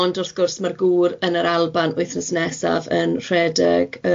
Ond wrth gwrs ma'r gŵr yn yr Alban wythnos nesaf yn rhedeg